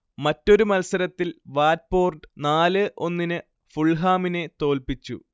മറ്റൊരു മത്സരത്തിൽ വാറ്റ്പോർഡ് നാല് ഒന്നിന് ഫുൾഹാമിനെ തോൽപ്പിച്ചു